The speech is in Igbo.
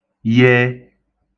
y